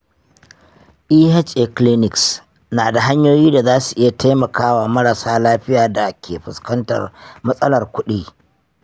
eha clinics na da hanyoyi da za su iya taimaka wa marasa lafiya da ke fuskantar matsalar kuɗi.